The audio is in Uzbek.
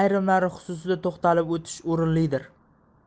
ayrimlari xususida to'xtalib o'tish o'rinlidir